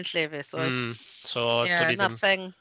Hunllefus oedd? ... Mm so. ...Ie... do'n i ddim... 'na'r thing